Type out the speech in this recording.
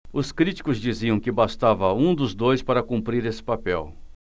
os críticos diziam que bastava um dos dois para cumprir esse papel